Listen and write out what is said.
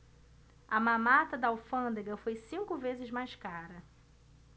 a mamata da alfândega foi cinco vezes mais cara